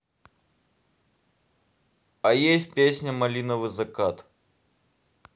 а есть песня малиновый закат